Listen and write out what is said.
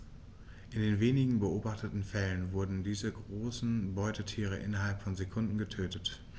In den wenigen beobachteten Fällen wurden diese großen Beutetiere innerhalb von Sekunden getötet.